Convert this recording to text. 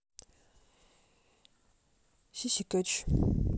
си си кетч